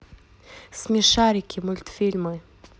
смешарики мультфильмы